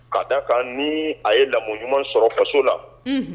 K'a da a kan ni a ye lamɔmu ɲumanuma sɔrɔ faso la